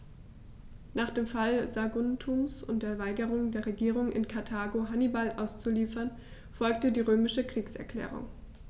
Nach dem Fall Saguntums und der Weigerung der Regierung in Karthago, Hannibal auszuliefern, folgte die römische Kriegserklärung.